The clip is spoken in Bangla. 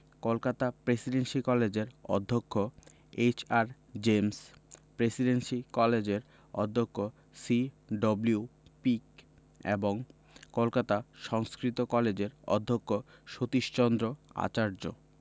কলকাতা প্রেসিডেন্সি কলেজের অধ্যক্ষ এইচ.আর জেমস প্রেসিডেন্সি কলেজের অধ্যাপক সি.ডব্লিউ পিক এবং কলকাতা সংস্কৃত কলেজের অধ্যক্ষ সতীশচন্দ্র আচার্য